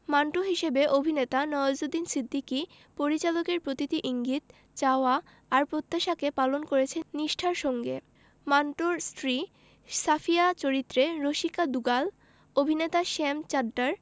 মান্টো হিসেবে অভিনেতা নওয়াজুদ্দিন সিদ্দিকী পরিচালকের প্রতিটি ইঙ্গিত চাওয়া আর প্রত্যাশাকে পালন করেছেন নিষ্ঠার সঙ্গে মান্টোর স্ত্রী সাফিয়া চরিত্রে রসিকা দুগাল অভিনেতা শ্যাম চাড্ডার